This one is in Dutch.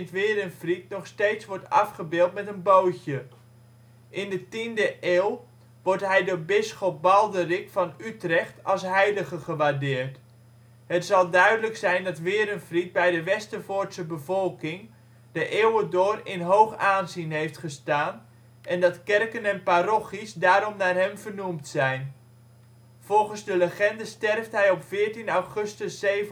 Werenfried nog steeds wordt afgebeeld met een bootje. In de 10e eeuw wordt hij door bisschop Balderik van Utrecht als heilige gewaardeerd. Het zal duidelijk zijn dat Werenfried bij de Westervoortse bevolking de eeuwen door in hoog aanzien heeft gestaan en dat kerken en parochies daarom naar hem vernoemd zijn. Volgens de legende sterft hij op 14 augustus 760